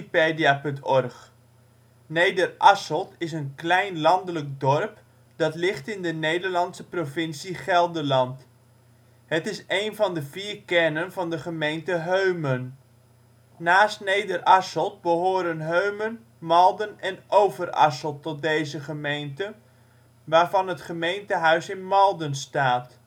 51°46 'N, 5°44'O Beluister (info) Nederasselt is een klein landelijk dorp dat ligt in de Nederlandse provincie Gelderland. Het is één van de vier kernen van de gemeente Heumen. Naast Nederasselt behoren Heumen, Malden en Overasselt tot deze gemeente waarvan het gemeentehuis in Malden staat